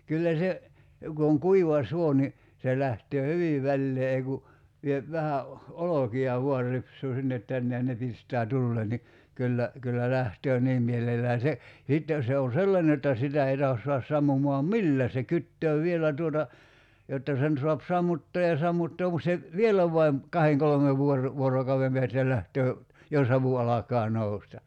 kyllä se kun on kuiva suo niin se lähtee hyvin väleen ei kun vie vähän - olkia vain ripsuu sinne tänne ja ne pistää tuleen niin kyllä kyllä lähtee niin mielellään se ja sitten se on sellainen jotta sitä ei tahdo saada sammumaan millään se kytee vielä tuota jotta sen saa sammuttaa ja sammuttaa mutta se vielä vain kahden kolmen - vuorokauden päästä lähtee ja savu alkaa nousta